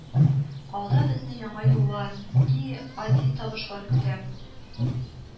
Алда безне яңа юллар, и ади табышлар көтә